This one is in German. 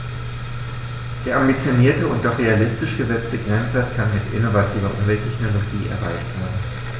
Der ambitionierte und doch realistisch gesetzte Grenzwert kann mit innovativer Umwelttechnologie erreicht werden.